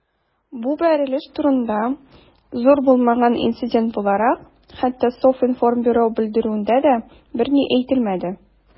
Бу бәрелеш турында, зур булмаган инцидент буларак, хәтта Совинформбюро белдерүендә дә берни әйтелмәде.